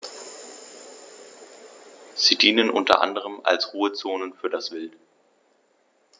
Sie dienen unter anderem als Ruhezonen für das Wild.